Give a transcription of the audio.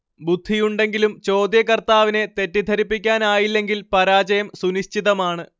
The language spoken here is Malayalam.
ബുദ്ധിയുണ്ടെങ്കിലും ചോദ്യകർത്താവിനെ തെറ്റിദ്ധരിപ്പിക്കാനായില്ലെങ്കിൽ പരാജയം സുനിശ്ചിതമാണ്